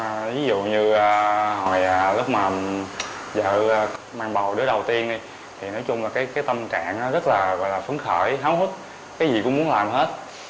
à ví dụ như hồi lúc mà vợ mang bầu đứa đầu tiên đi thì nói chung là cái cái tâm trạng rất là phấn khởi háo hức cái gì cũng muốn làm hết